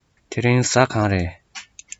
དེ རིང གཟའ གང རས